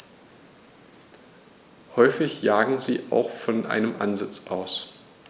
Häufig jagen sie auch von einem Ansitz aus.